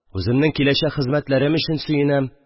Үземнең киләчәк хезмәтләрем өчен сөенәм